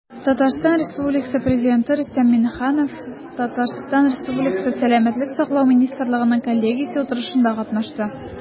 Татарстан Республикасы Президенты Рөстәм Миңнеханов ТР Сәламәтлек саклау министрлыгының коллегиясе утырышында катнашты.